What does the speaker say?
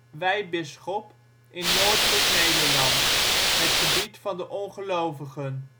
wijbisschop in noordelijk Nederland, het gebied van de ongelovigen